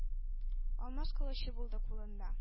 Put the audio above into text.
Алмаз кылычы булды кулында.